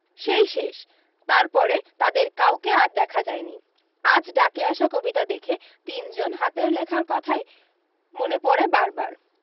সেই শেষ তারপরে তাদের কাউকে আর দেখা যায়নি আজ ডাকে আসা কবিতা দেখে তিনজন হাতের লেখার কথাই মনে পড়ে বার বার